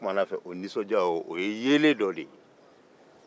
o nisɔndiya ye yeelen dɔ de ye